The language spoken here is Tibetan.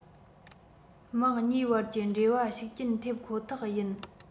དམག གཉིས དབར གྱི འབྲེལ བ ཤུགས རྐྱེན ཐེབ ཁོ ཐག ཡིན